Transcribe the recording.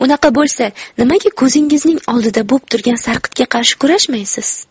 unaqa bo'lsa nimaga ko'zingizning oldida bo'p turgan sarqitga qarshi kurashmaysiz